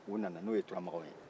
u nana n'o ye turamakanw ye